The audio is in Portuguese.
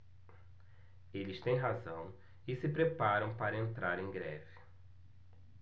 eles têm razão e se preparam para entrar em greve